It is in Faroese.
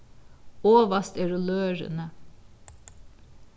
ovast eru lørini